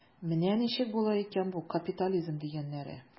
Менә ничек була икән бу капитализм дигәннәре.